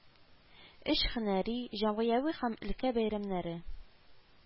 Өч һөнәри, җәмгыяви һәм өлкә бәйрәмнәре